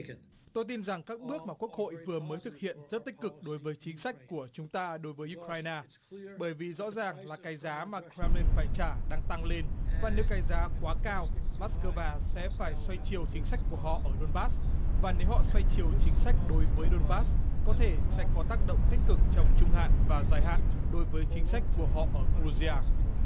tôi tin rằng các bước mà quốc hội vừa mới thực hiện rất tích cực đối với chính sách của chúng ta đối với u cờ rai na bởi vì rõ ràng là cái giá mà cờ la mên phải trả đang tăng lên và nếu cái giá quá cao mát cơ va sẽ phải xoay chiều chính sách của họ ở đôn bát và nếu họ xoay chiều chính sách đối với đôn bát có thể sẽ có tác động tích cực trong trung hạn và dài hạn đối với chính sách của họ ở cu dia a